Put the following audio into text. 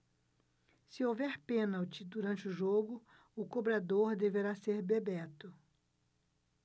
se houver pênalti durante o jogo o cobrador deverá ser bebeto